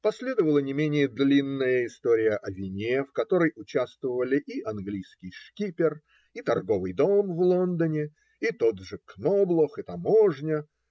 Последовала не менее длинная история о вине, в которой участвовал и английский шкипер, и торговый дом в Лондоне, и тот же Кноблох, и таможня.